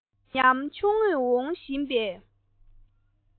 ཉམ ཆུང ངུས འོང བཞིན པའི